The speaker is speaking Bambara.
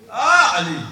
H hali